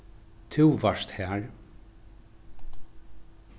tú vart har